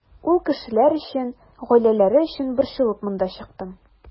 Ул кешеләр өчен, гаиләләре өчен борчылып монда чыктым.